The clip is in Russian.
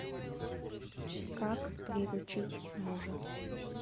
как приручить мужа